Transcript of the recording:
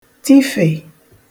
tifè